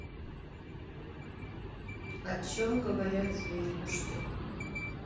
о чем говорят зверушки